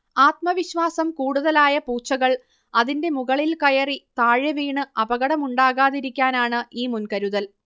ആത്മവിശ്വാസം കൂടുതലായ പൂച്ചകൾ അതിന്റെ മുകളിൽ കയറി താഴെവീണ് അപകടം ഉണ്ടാകാതിരിക്കാനാണ് ഈ മുൻകരുതൽ